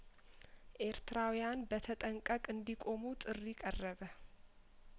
ኤርትራውያን በተጠንቀቅ እንዲቆሙ ጥሪ ቀረበ